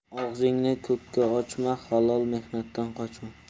og'zingni ko'kka ochma halol mehnatdan qochma